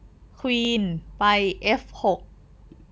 ควีนไปเอฟหก